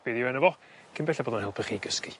be' 'dyw enw fo cyn belled bod o'n helpu chi gysgu.